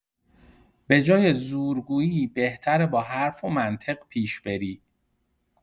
به‌جای زورگویی بهتره با حرف و منطق پیش بری.